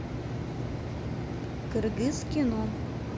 кыргыз кино